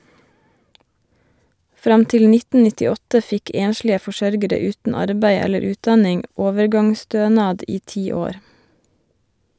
Fram til 1998 fikk enslige forsørgere uten arbeid eller utdanning overgangsstønad i ti år.